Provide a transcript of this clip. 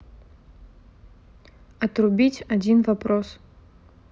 отрубить один вопрос